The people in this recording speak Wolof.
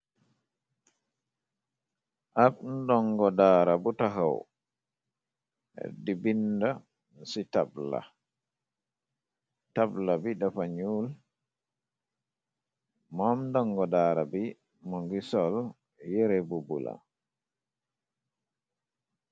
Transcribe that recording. Ak ndongo daara bu taxaw di binda ci tabla tabla bi dafa ñuul moom ndongo daara bi mo ngi sol yere bu bula.